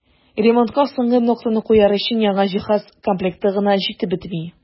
Ремонтка соңгы ноктаны куяр өчен яңа җиһаз комплекты гына җитеп бетми.